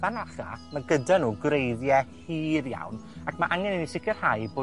fan acha, ma' gyda nw gwreiddie hir iawn, ac ma' angen i ni sicirhau bo'